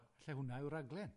Falle hwnna yw'r rhaglen.